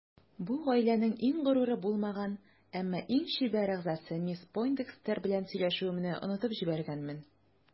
Бу гаиләнең иң горуры булмаган, әмма иң чибәр әгъзасы мисс Пойндекстер белән сөйләшүемне онытып җибәргәнмен.